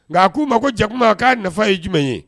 Nka a k'u ma ko jakuma k'a nafa ye jumɛn ye